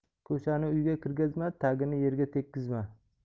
ko'sani uyga kirgazma tagini yerga tegizma